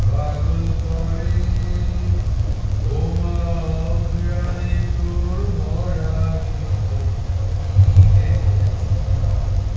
পাগল করে ওমা অঘ্রানে তোর ভরা ক্ষেতে কী দেখেছি